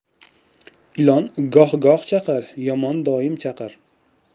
ilon goh goh chaqar yomon doim chaqar